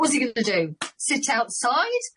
What's he gonna do? Sit outside?